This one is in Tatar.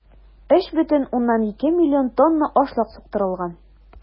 3,2 млн тонна ашлык суктырылган.